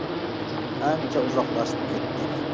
ancha uzoqlashib ketdik